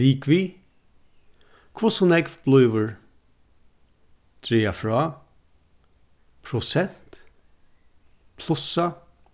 ligvið hvussu nógv blívur draga frá prosent plussa